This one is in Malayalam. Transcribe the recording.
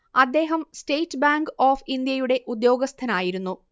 അദ്ദേഹം സ്റ്റേറ്റ് ബാങ്ക് ഓഫ് ഇന്ത്യയുടെ ഉദ്യ്യോഗസ്ഥനായിരുന്നു